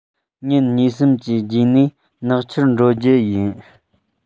ཉིན གཉིས གསུམ གྱི རྗེས ནས ནག ཆུར འགྲོ རྒྱུ ཡིན